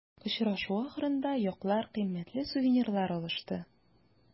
Очрашу ахырында яклар кыйммәтле сувенирлар алышты.